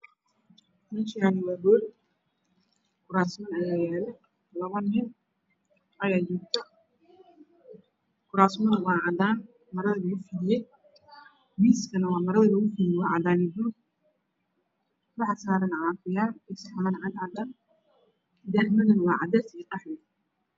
Meeshaani waa hool kuraasmaan ayaa yaalo labo nin ayaa joogta kuraasmada waa cadaan maraa lagu fidiyey miiskana waamarada lagu fidiyey cadaan iyo buluug waxaa saaran caafiyaal iyo saxaman cadcad ah daahmadana waa cadeys iyo qaxwi